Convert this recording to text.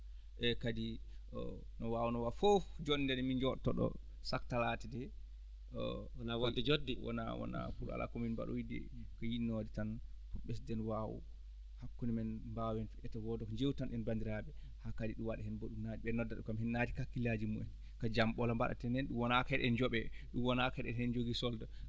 eeyi kadi o no waawno waa fof jonde nde min joɗɗotoo chaque talaata wonaa waasde joot nde wonaa wonaa pour la komin mbaɗoyi nde ko yiɗnoode tan ko ɓesden waaw hakkunde men mbaawen eto wooda ko njeewtanɗen banndiraaɓe haa kadi ɗum waɗa heen goɗɗum ɓe noddat ɓe kam naati ko hakkillaaji mumen ko jam ɓolo mbaɗaten heen ɗum wonaa keɗen njoɓee woana keɗe heen njogii solde